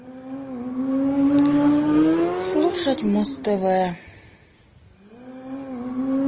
слушать муз тв